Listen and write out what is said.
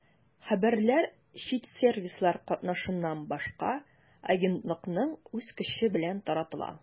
Хәбәрләр чит сервислар катнашыннан башка агентлыкның үз көче белән таратыла.